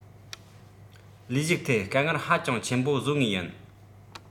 ལས ཞུགས ཐད དཀའ ངལ ཧ ཅང ཆེན པོ བཟོ ངེས ཡིན